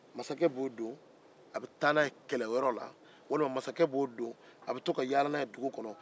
masakɛ b'o don ka taa n'a ye kɛlɛyɔrɔ la walima a b'a don ka yaala n'a ye dugu kɔnɔ